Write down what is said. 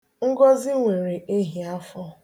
Ngozị nwere ehiafọ